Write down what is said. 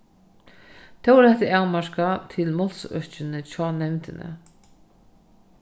tó er hetta avmarkað til málsøkini hjá nevndini